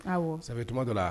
Sabutuma dɔ la